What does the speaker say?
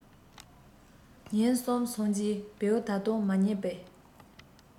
ཉིན གསུམ སོང རྗེས བེའུ ད དུང མ རྙེད པས